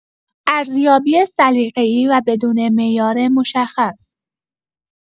ارزیابی سلیقه‌ای و بدون معیار مشخص